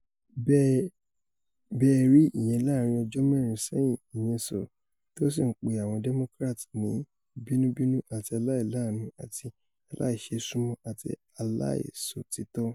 Bẹ́ẹ̀ ẹ rí ìyẹn láàrin ọjọ́ mẹ́rin ṣẹ́yìn,''ni o sọ, tó sì ńpe Awọn Democrats ní ''bínubínú àti aláìláàánú àti aláìṣeésúnmọ àti aláiṣòtítọ́.